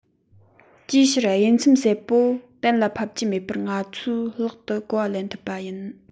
ཅིའི ཕྱིར དབྱེ མཚམས གསལ པོ གཏན ལ ཕབ རྒྱུ མེད པར ང ཚོས ལྷག ཏུ གོ བ ལེན ཐུབ པ ཡིན